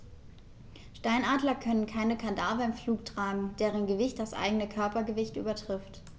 Steinadler können keine Kadaver im Flug tragen, deren Gewicht das eigene Körpergewicht übertrifft.